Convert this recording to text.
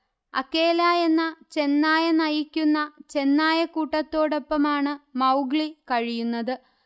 Akela എന്ന ചെന്നായ നയിക്കുന്ന ചെന്നായക്കൂട്ടത്തോടൊപ്പമാണ് മൗഗ്ലി കഴിയുന്നത്